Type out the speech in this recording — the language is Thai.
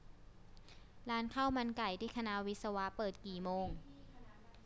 ร้านข้าวมันไก่ที่คณะวิศวะเปิดกี่โมง